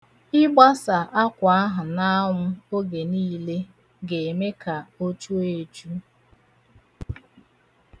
Ịgbasa akwa ahụ n'anwụ oge niile ga-eme ka o chuo echu.